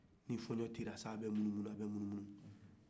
min bɛ munumunu ka munumunu ni fɔɲɔ tira